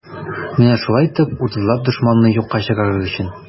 Менә шулай итеп, утызлап дошманны юкка чыгарыр өчен.